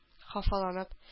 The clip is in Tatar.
Хафаланып